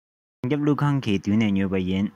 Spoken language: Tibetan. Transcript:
རྫོང རྒྱབ ཀླུ ཁང གི མདུན དེ ནས ཉོས པ ཡིན